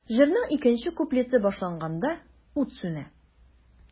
Җырның икенче куплеты башланганда, ут сүнә.